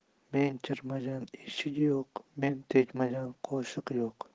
men kirmagan eshik yo'q men tegmagan qoshiq yo'q